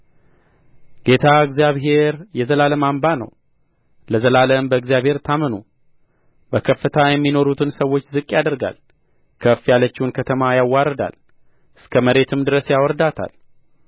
ጌታ እግዚአብሔር የዘላለም አምባ ነውና ለዘላለም በእግዚአብሔር ታመኑ በከፍታ የሚኖሩትን ሰዎች ዝቅ ያደርጋል ከፍ ያለችውን ከተማ ያዋርዳል እስከ መሬትም ድረስ ያዋርዳታል